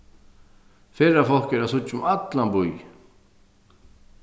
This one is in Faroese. ferðafólk eru at síggja um allan býin